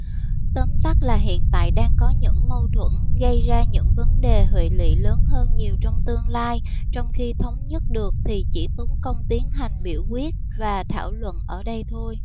tóm tắt là hiện tại đang có những mâu thuẫn gây ra những vấn đề hệ lụy lớn hơn nhiều trong tương lai trong khi nếu thống nhất được thì chỉ tốn công tiến hành biểu quyết và thảo luận ở đây thôi